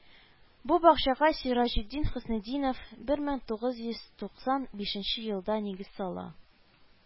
Бу бакчага Сираҗетдин Хөснетдинов бер мең тугыз йөз туксан бишенче елда нигез сала